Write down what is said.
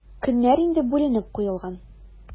Көннәр инде бүленеп куелган.